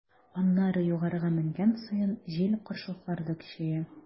Аннары, югарыга менгән саен, җил-каршылыклар да көчәя.